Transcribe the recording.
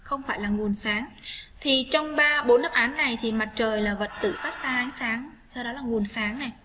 không phải là nguồn sáng thì trong đáp án này thì mặt trời là vật tự phát ra ánh sáng sau đó là nguồn sáng này